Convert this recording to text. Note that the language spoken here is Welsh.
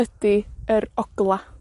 ydi yr ogla'.